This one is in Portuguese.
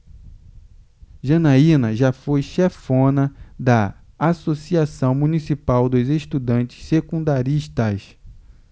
janaina foi chefona da ames associação municipal dos estudantes secundaristas